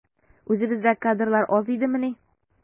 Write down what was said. Үзебездә кадрлар аз идемени?